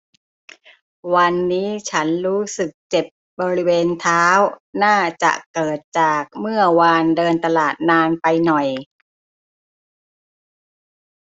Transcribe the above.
วันนี้ฉันรู้สึกเจ็บบริเวณเท้าน่าจะเกิดจากเมื่อวานเดินตลาดนานไปหน่อย